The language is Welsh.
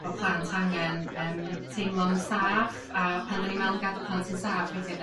bo' plant angen yym teimlo'n saff a pan 'dyn ni'n me'wl am gadw plant yn saff weithia